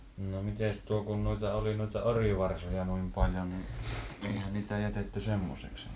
no mitenkäs tuo kun noita oli noita orivarsoja noin paljon niin eihän niitä jätetty semmoiseksi